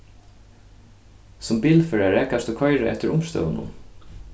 sum bilførari kanst tú koyra eftir umstøðunum